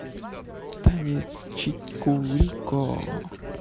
танец чику рико